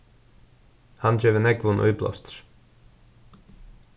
hann gevur nógvum íblástur